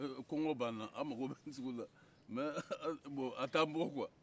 kɔnkɔ b'an na an mako bɛ sogo la mɛ bon a t'an bɔ kuwa